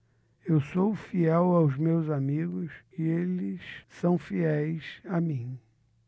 eu sou fiel aos meus amigos e eles são fiéis a mim